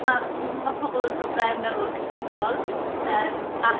Ma' ma' pobl yn dod fewn ar ôl ysgol yym a